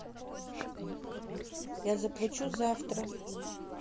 я заплачу завтра